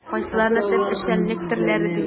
Кайсыларын төп эшчәнлек төрләре диләр?